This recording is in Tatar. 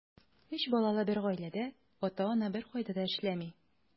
Өч балалы бер гаиләдә ата-ана беркайда да эшләми.